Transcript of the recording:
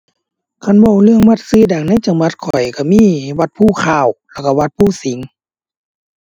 คันเว้าเรื่องวัดชื่อดังในจังหวัดข้อยชื่อมีวัดภูค่าว แล้วชื่อวัดภูสิงห์